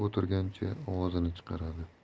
o'tirgancha ovozini chiqaradi